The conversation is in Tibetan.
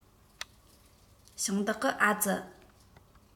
ཞིང བདག གི ཨ ཙི